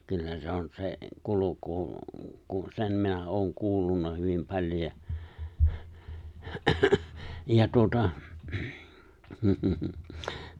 kyllä se on se kulku kun sen minä olen kuullut hyvin paljon ja ja tuota mm mm